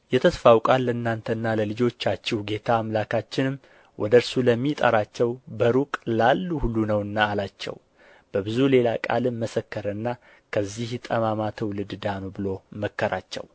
የተስፋው ቃል ለእናንተና ለልጆቻችሁ ጌታ አምላካችንም ወደ እርሱ ለሚጠራቸው በሩቅ ላሉ ሁሉ ነውና አላቸው በብዙ ሌላ ቃልም መሰከረና ከዚህ ጠማማ ትውልድ ዳኑ ብሎ መከራቸው